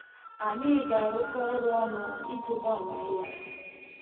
Anyị ga-arụkọ ọrụ ọnụ iji gbanwee ya!